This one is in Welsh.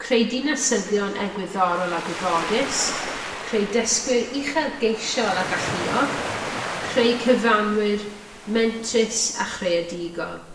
creu dinasyddion egwyddorol a gwybodus creu dysgwyr uchelgeisiol a galluog, creu cyfanwyr mentrus a chreadigol.